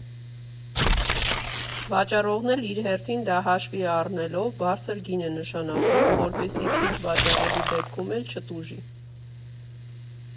Վաճառողն էլ իր հերթին դա հաշվի առնելով՝ բարձր գին է նշանակում, որպեսզի քիչ վաճառելու դեպքում էլ չտուժի։